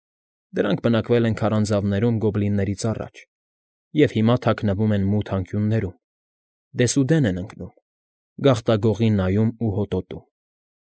Դրանք բնակվել են քարանձավներում գոբլիններից առաջ և հիմա թաքնվում են մութ անկյուններում, դեսուդեն են ընկնում, գաղտագողի նայում ու հոտոտում։